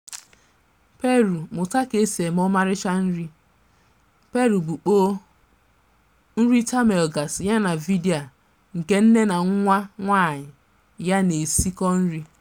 Peru – Mụta ka esi eme ọmarịcha nri Peru bụ kpoo, nrị tamale gasị yana vidiyo a nke nne na nwa nwaanyị ya na-esi kọ nri.